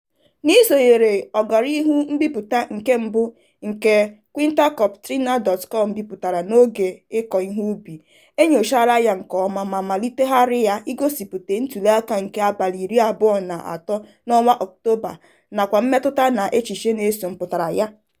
N'isonyere ọganihu mbipụta nke mbụ nke quintadicopertina.com bipụtara n'oge ịkọ ihe ubi, e nnyochala ya nke ọma ma melitegharị ya ịgosipụta ntuliaka nke abalị iri abụọ na atọ n'ọnwa ọktoba, nakwa mmetụta na echiche na-eso mpụtara ya.